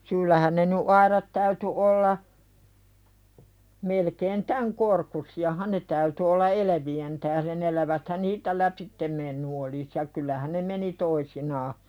syyllähän ne nyt aidat täytyi olla melkein tämän korkuisiahan ne täytyi olla elävien tähden eläväthän niistä lävitse mennyt olisi ja kyllähän ne meni toisinaan